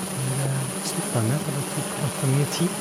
Men det slutta jeg med, for det tok altfor mye tid.